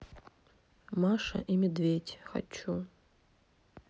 маша и медведь хочу